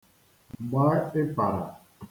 hụ̀ ọnụ̄